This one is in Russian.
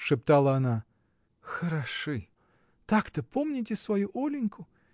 — шептала она, — хороши: так-то помните свою Улиньку?